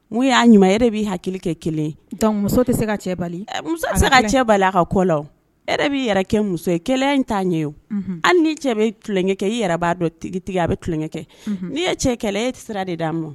Mun y'a ɲuman ye e de b'i hakili kɛ kelen ye. Donc muso tɛ se ka cɛ bali. Ɛɛ muso tɛ se ka cɛ bali a ka ko la oo. E de b'i yɛrɛ kɛ muso, keleya in t'a ɲɛ ye oo. Unhun. Hali ni cɛ tulonkɛ kɛ. I yɛrɛ b'a dɔn tigitigi a bɛ tulonkɛ, n'i ye cɛ kɛlɛ, e ye sira de d'a ma oo.